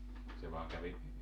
se vain kävi